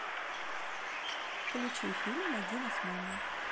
включи фильм найди нас мама